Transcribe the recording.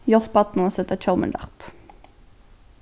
hjálp barninum at seta hjálmin rætt